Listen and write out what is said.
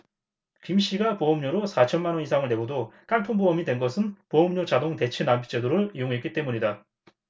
김씨가 보험료로 사천 만원 이상을 내고도 깡통보험이 된 것은 보험료 자동 대체납입제도를 이용했기 때문이다